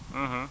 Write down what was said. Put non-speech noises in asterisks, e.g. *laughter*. *hesitation* *hesitation*